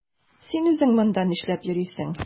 Син үзең монда нишләп йөрисең?